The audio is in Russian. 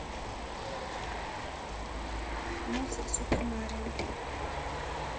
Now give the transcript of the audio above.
мультик супер марио